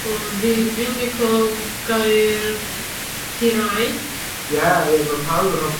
wel fi fi'n lico gair hiraeth. Ie, ie, ma' pawb yn hoffi